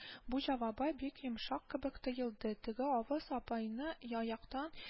Бу җавабы бик йомшак кебек тоелды, теге авыз апайны яяктан